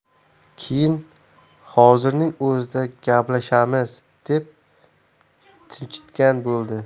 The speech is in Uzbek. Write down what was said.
keyin hozirning o'zida gaplashamiz deb tinchitgan bo'ldi